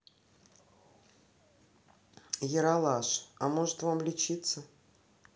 ералаш а может вам лечиться